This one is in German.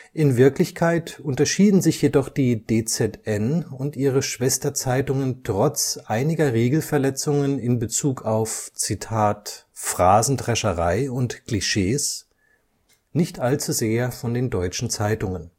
In Wirklichkeit unterschieden sich jedoch die DZN und ihre Schwesterzeitungen trotz einiger Regelverletzungen in Bezug auf „ Phrasendrescherei und Klischees “(Oron J. Hale) nicht allzu sehr von den deutschen Zeitungen